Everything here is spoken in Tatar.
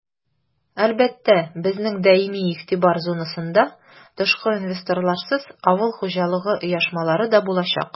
Әлбәттә, безнең даими игътибар зонасында тышкы инвесторларсыз авыл хуҗалыгы оешмалары да булачак.